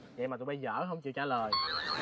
vậy mà tụi bây dở không chịu trả lời